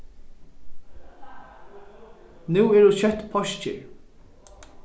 nú eru skjótt páskir